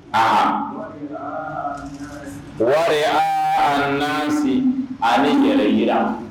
A wari nasi ani ni yɛrɛ yira